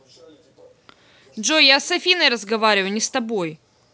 джой я с афиной разговариваю не с тобой